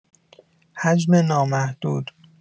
حجم نامحدود